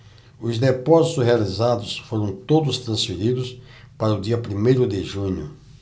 os depósitos realizados foram todos transferidos para o dia primeiro de junho